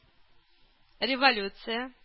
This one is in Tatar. Революция